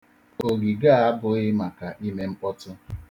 Ogige a abụghị maka ime mkpọtụ.